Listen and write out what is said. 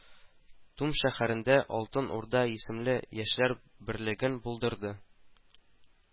Тум шәһәрендә Алтын Урда исемле яшьләр берлеген булдырды